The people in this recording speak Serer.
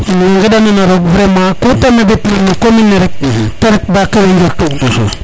in way nganda nana roog vraiment ku ne mebet na no commune ne rek te ret ba kawe njort um